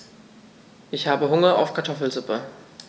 Ich habe Hunger auf Kartoffelsuppe.